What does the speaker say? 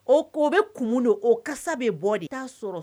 O ko o bɛmun o kasa bɛ bɔ de, i bɛ t'a sɔrɔ